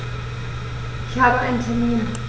Ich habe einen Termin.